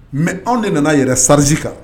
Mɛ anw de nana a yɛrɛ sararizsi kan